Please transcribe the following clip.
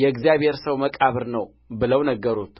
የእግዚአብሔር ሰው መቃብር ነው ብለው ነገሩት